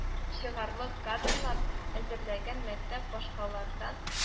Чыгарлы кадрлап әзерләгән мәктәп башкалардан